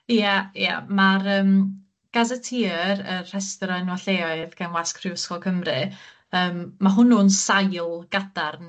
Ia, ia, ma'r yym gazeteer, y rhestyr o enwa' lleoedd gan Wasg Prifysgol Cymru yym ma' hwnnw'n sail gadarn...